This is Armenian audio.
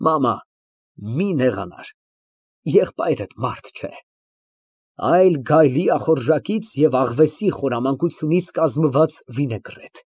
Մամա, մի նեղանար, եղբայրդ մարդ չէ, այ գայլի ախորժակից և աղվեսի խորամանկությունից կազմված վինեգրետ։